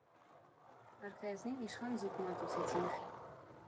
Արքայազնին իշխան ձուկ մատուցեցինք։